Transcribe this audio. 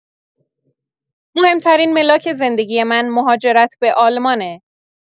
مهمترین ملاک زندگی من مهاجرت به آلمانه